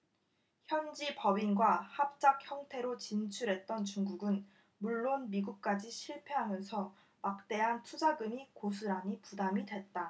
현지법인과 합작형태로 진출했던 중국은 물론 미국까지 실패하면서 막대한 투자금이 고스란히 부담이 됐다